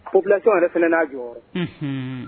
Population yɛrɛ fana n'a jɔyɔrɔ, unhun